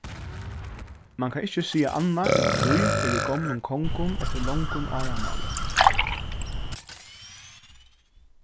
mann kann ikki siga annað enn at lív er í gomlum kongum eftir longum áramáli